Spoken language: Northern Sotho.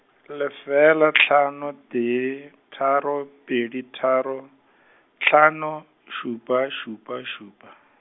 lefela hlano tee, tharo pedi tharo, hlano, šupa šupa šupa.